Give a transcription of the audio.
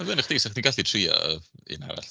Fyny i ch'di 'sa ch'di'n gallu trio un arall?